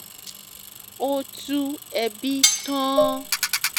Ó tú ẹbí tán.